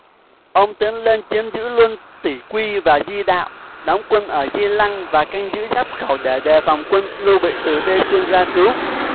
ông tiến lên chiếm giữ luôn tỷ quy và di đạo đóng quân ở di lăng và canh giữ giáp khẩu để đề phòng quân lưu bị từ tây xuyên ra cứu